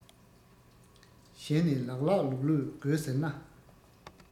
གཞན ནས ལགས ལགས ལུགས ལུགས དགོས ཟེར ན